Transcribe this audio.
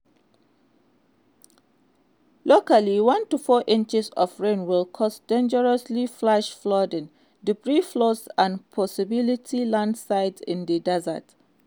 Locally, 1 to 4 inches of rain will cause dangerous flash flooding, debris flows and possibility landslides in the desert.